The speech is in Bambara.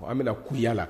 Wa an bɛna ku y'a la